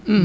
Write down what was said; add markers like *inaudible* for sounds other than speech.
*hesitation*